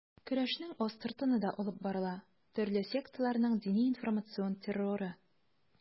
Көрәшнең астыртыны да алып барыла: төрле секталарның дини-информацион терроры.